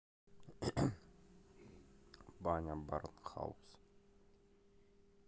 баня барнхаус